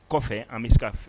Kɔfɛ an bɛ se k'a a